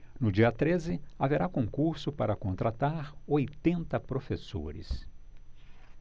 no dia treze haverá concurso para contratar oitenta professores